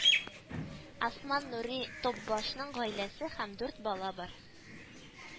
Осман Нури Топбашның гаиләсе һәм дүрт бала бар